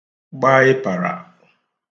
gba ịpàrà